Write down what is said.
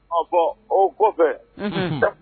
A fɔ o kɔ fɛ da